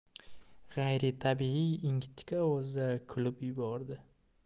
g'ayritabiiy ingichka ovozda kulib yubordi